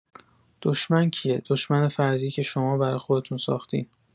دشمن کیه، دشمن فرضی که شما برا خودتون ساختین